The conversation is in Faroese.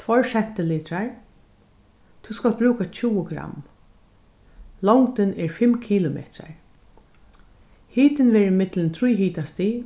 tveir sentilitrar tú skalt brúka tjúgu gramm longdin er fimm kilometrar hitin verður millum trý hitastig